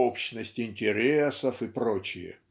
общность интересов и проч. ?